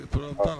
Kɔrɔkan